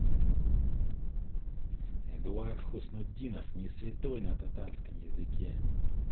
эдуард хуснутдинов не святой на татарском языке